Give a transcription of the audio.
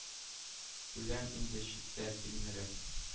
Үләм инде читтә тилмереп.